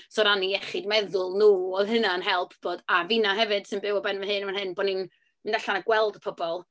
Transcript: So o ran eu iechyd meddwl nhw oedd hynna'n help bod... a finnau hefyd, sy'n byw ar ben fy hun yn fan hyn, bo' ni'n mynd allan a gweld pobl.